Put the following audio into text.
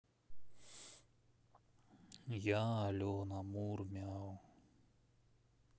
я алена мур мяу